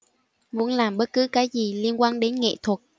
muốn làm bất cứ cái gì liên quan đến nghệ thuật